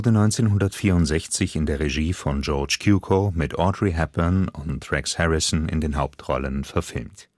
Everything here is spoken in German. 1964 in der Regie von George Cukor mit Audrey Hepburn und Rex Harrison in den Hauptrollen verfilmt